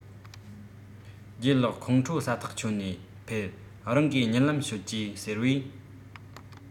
ལྗད ལགས ཁོང ཁྲོ ཟ ཐག ཆོད ནས ཕེད རང གིས གཉིད ལམ ཤོད ཀྱིས ཟེར བས